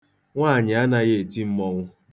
Nwaanyị anaghị eti mmọnwụ.